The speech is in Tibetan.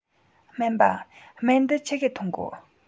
སྨན པ སྨན འདི ཆི གིས འཐུང དགོ